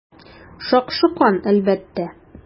Шакшы кан, әлбәттә.